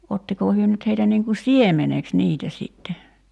ottiko he nyt heitä niin kuin siemeneksi niitä sitten